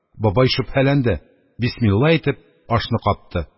Бабай шөбһәләнде, бисмилла әйтеп, ашны капты